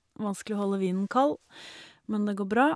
Vanskelig å holde vinen kald men det går bra.